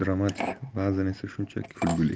dramatik ba'zan esa shunchaki kulgili